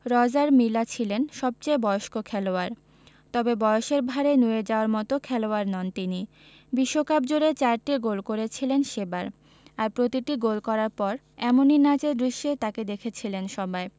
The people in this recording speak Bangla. রজার মিলা ছিলেন সবচেয়ে বয়স্ক খেলোয়াড় তবে বয়সের ভাঁড়ে নুয়ে যাওয়ার মতো খেলোয়াড় নন তিনি বিশ্বকাপজুড়ে চারটি গোল করেছিলেন সেবার আর প্রতিটি গোল করার পর এমনই নাচের দৃশ্যে তাঁকে দেখেছিলেন সবাই